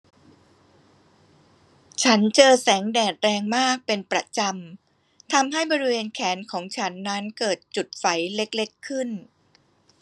ฉันเจอแสงแดดแรงมากเป็นประจำทำให้บริเวณแขนของฉันนั้นเกิดจุดไฝเล็กเล็กขึ้น